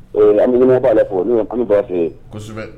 Ɛɛ, an bɛ fo min fɛ yen. Kosɛbɛ.